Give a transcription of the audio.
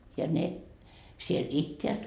ja ne siellä itävät